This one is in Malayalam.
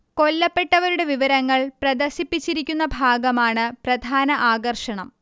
കൊല്ലപ്പെട്ടവരുടെ വിവരങ്ങൾ പ്രദർശിപ്പിച്ചിരിക്കുന്ന ഭാഗമാണ് പ്രധാന ആകർഷണം